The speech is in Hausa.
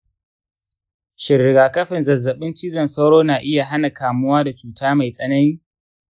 shin rigakafin zazzabin cizon sauro na iya hana kamuwa da cuta mai tsanani?